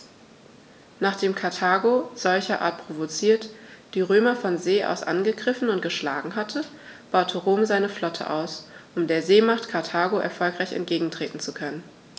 Nachdem Karthago, solcherart provoziert, die Römer von See aus angegriffen und geschlagen hatte, baute Rom seine Flotte aus, um der Seemacht Karthago erfolgreich entgegentreten zu können.